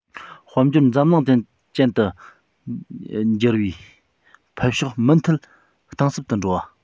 དཔལ འབྱོར འཛམ གླིང ཅན དུ འགྱུར བའི འཕེལ ཕྱོགས མུ མཐུད གཏིང ཟབ ཏུ འགྲོ བ